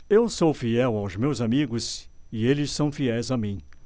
eu sou fiel aos meus amigos e eles são fiéis a mim